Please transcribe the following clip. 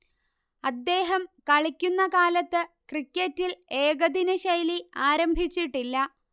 അദ്ദേഹം കളിക്കുന്ന കാലത്ത് ക്രിക്കറ്റിൽ ഏകദിനശൈലി ആരംഭിച്ചിട്ടില്ല